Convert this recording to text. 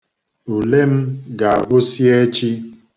Ule m ga-agwụsị echi.